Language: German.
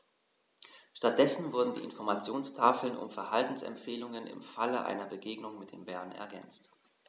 Stattdessen wurden die Informationstafeln um Verhaltensempfehlungen im Falle einer Begegnung mit dem Bären ergänzt.